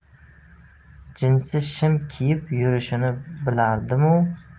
jinsi shim kiyib yurishini bilardimu